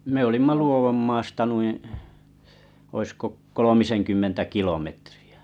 me olimme Luodonmaasta noin olisiko kolmisenkymmentä kilometriä